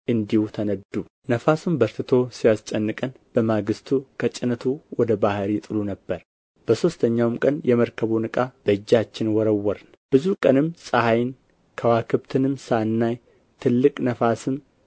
እንዲሁ ተነዱ ነፋሱም በርትቶ ሲያስጨንቀን በማንግሥቱ ከጭነቱ ወደ ባሕር ይጥሉ ነበር በሦስተኛውም ቀን የመርከቡን ዕቃ በእጃችን ወረወርን ብዙ ቀንም ፀሐይን ከዋክብትንም ሳናይ ትልቅ ነፋስም